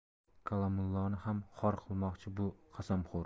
kalomulloni ham xor qilmoqchi bu qasamxo'r